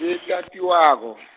letatiwako.